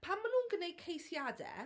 Pan maen nhw'n gwneud ceisiadau...